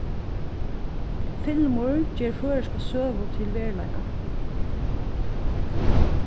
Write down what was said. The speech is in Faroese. filmur ger føroyska søgu til veruleika